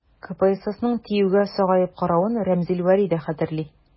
КПССның ТИҮгә сагаеп каравын Римзил Вәли дә хәтерли.